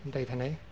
yn deud hynny.